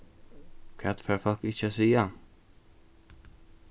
hvat fara fólk ikki at siga